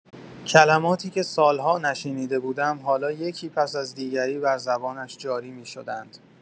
کلماتی که سال‌ها نشنیده بودم، حالا یکی پس از دیگری بر زبانش جاری می‌شدند.